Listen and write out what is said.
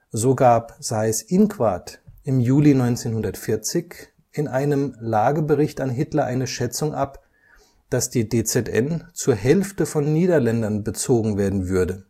so gab Seyß-Inquart im Juli 1940 in einem Lagebericht an Hitler eine Schätzung ab, dass die DZN zur Hälfte von Niederländern bezogen werden würde